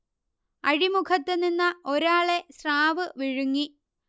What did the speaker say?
അഴിമുഖത്ത് നിന്ന ഒരാളെ സ്രാവ് വിഴുങ്ങി